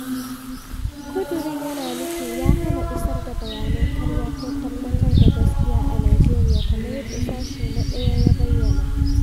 ƙudirin yana nufi ya"[hana] isar da bayanan ƙarya ko tabbatar da gaskiya a Najeriya", kamar yadda Sashe na 1a ya bayyana.